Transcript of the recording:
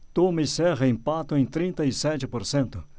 tuma e serra empatam em trinta e sete por cento